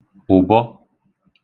ùbọ